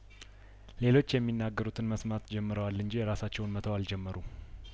ሌሎች የሚናገሩትን መስማት ጀምረዋል እንጂ የራሳቸውን መተው አልጀመሩም